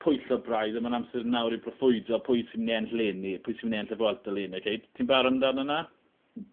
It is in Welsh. pwyllo braidd on' ma'n amser nawr i brofwydo pwy sy myn' i ennill leni pwy sy myn' i ennill y Vuelta leni OK t- t- ti'n barod am dan wnna?